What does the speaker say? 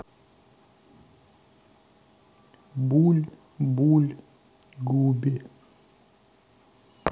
буль буль губи